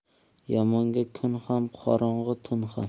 yomonga kun ham qorong'i tun ham